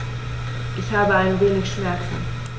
Ich habe ein wenig Schmerzen.